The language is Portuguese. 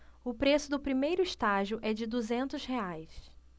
o preço do primeiro estágio é de duzentos reais